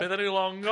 beth ydi'w long o?